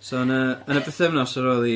So, yn y yn y bythefnos ar ôl i,